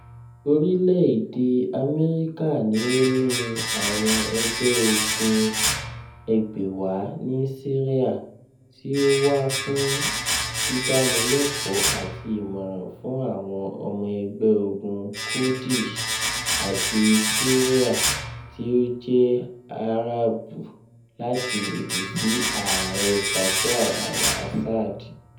Orilẹ ede Amẹrika ni o ni awọn ẹgbẹ ogun 2,000 ni Siria, ti o wa fun didanilẹkọ ati imọran fun awọn ọmọ ẹgbẹ ogun Kurdish ati Siria ti o jẹ Arabu lati lodi si Aare Bashar al-Assad.